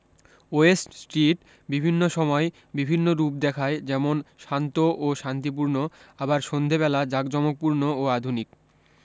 West street বিভিন্ন সময় বিভিন্ন রূপ দেখায় যেমন শান্ত ও শান্তিপুর্ন আবার সন্ধ্যেবেলা জাকজমকপুর্ন ও আধুনিক